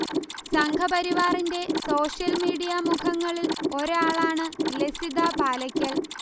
സംഘപരിവാറിന്റെ social media മുഖങ്ങളിൽ ഒരാളാണ് ലസിത പാലയ്ക്കൽ